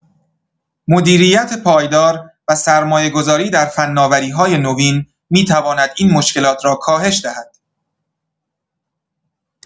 مدیریت پایدار و سرمایه‌گذاری در فناوری‌های نوین می‌تواند این مشکلات را کاهش دهد.